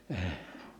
-